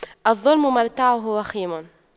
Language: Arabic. الظلم مرتعه وخيم